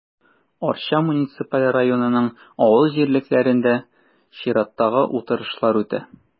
Арча муниципаль районының авыл җирлекләрендә чираттагы утырышлар үтә.